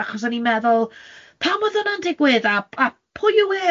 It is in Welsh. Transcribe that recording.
achos o'n i'n meddwl, pam oedd hwnna'n digwydd, a p- a pwy yw